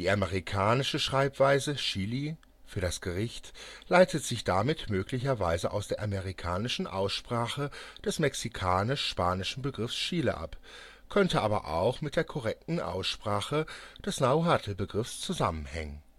amerikanische Schreibweise Chili für das Gericht leitet sich damit möglicherweise aus der amerikanischen Aussprache des mexikanisch-spanischen Begriffs Chile ab, könnte aber auch mit der korrekten Aussprache des Nahuatl-Begriffs zusammenhängen